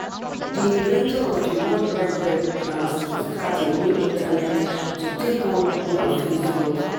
The Inventor of the World Wide Web Plans to Start a New Internet to Take on Google and Facebook